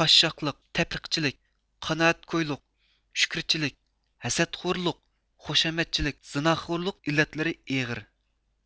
قاششاقلىق تەپرىقىچىلىك قانائەتكويلۇق شۈكرىچىلىك ھەسەتخورلۇق خۇشامەتچىلىك زىناخورلۇق ئىللەتلىرى ئېغىر